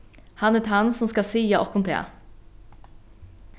hann er tann sum skal siga okkum tað